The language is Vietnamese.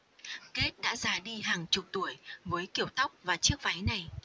kate đã già đi hàng chục tuổi với kiểu tóc và chiếc váy này